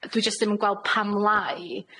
Dwi jyst ddim yn gweld pam lai.